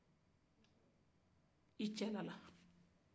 i cɛ dala